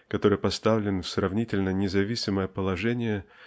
который поставлен в сравнительно независимое положение